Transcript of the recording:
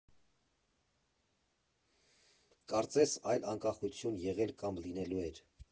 Կարծես այլ անկախություն եղել կամ լինելու էր։